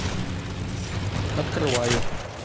открываю